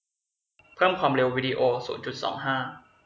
เพิ่มความเร็ววีดีโอศูนย์จุดสองห้า